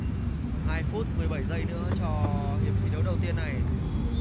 còn hai phút mười bảy giây nữa cho hiệp thi đấu đầu tiên này